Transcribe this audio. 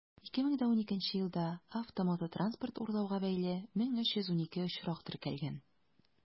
2012 елда автомототранспорт урлауга бәйле 1312 очрак теркәлгән.